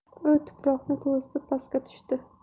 u tuproqni to'zitib pastga tushdi